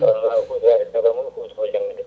* garɗa foof koye jande nde